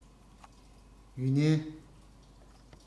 ཡུན ནན